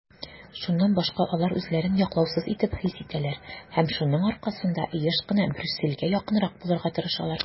Шуннан башка алар үзләрен яклаусыз итеп хис итәләр һәм шуның аркасында еш кына Брюссельгә якынрак булырга тырышалар.